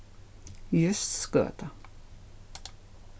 jústsgøta